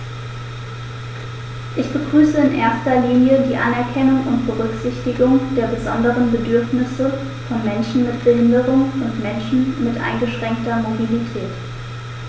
Ich begrüße in erster Linie die Anerkennung und Berücksichtigung der besonderen Bedürfnisse von Menschen mit Behinderung und Menschen mit eingeschränkter Mobilität.